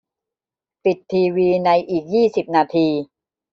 ปิดทีวีในอีกยี่สิบนาที